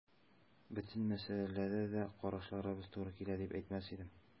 Бөтен мәсьәләдә дә карашларыбыз туры килә дип әйтмәс идем.